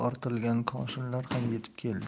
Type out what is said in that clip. ortilgan koshinlar ham yetib keldi